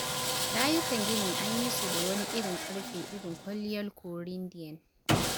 Layukan ginin an yi su da wani irin ƙarfe irin kwalliyar Corinthian.